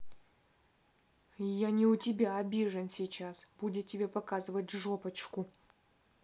я не у тебя обижен сейчас будет тебе показывать жопочку